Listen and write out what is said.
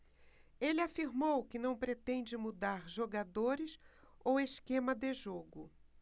ele afirmou que não pretende mudar jogadores ou esquema de jogo